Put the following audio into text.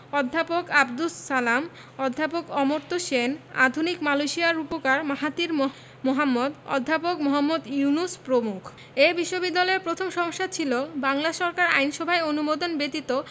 অধ্যাপক আবদুস সালাম অধ্যাপক অমর্ত্য সেন আধুনিক মালয়েশিয়ার রূপকার মাহাথির মো মোহাম্মদ অধ্যাপক মুহম্মদ ইউনুস প্রমুখ এ বিশ্ববিদ্যালয়ের প্রথম সমস্যা ছিল বাংলা সরকার আইনসভার অনুমোদন ব্যতীত